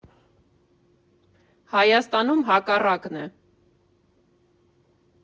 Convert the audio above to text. «Հայաստանում հակառակն է։